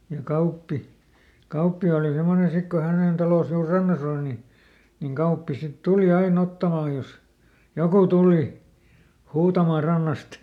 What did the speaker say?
ja Kauppi Kauppi oli semmoinen sitten kun hänen talonsa juuri rannassa oli niin niin Kauppi sitten tuli aina ottamaan jos joku tuli huutamaan rannasta